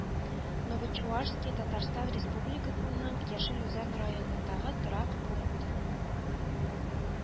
Новочувашский Татарстан Республикасының Яшел Үзән районындагы торак пункт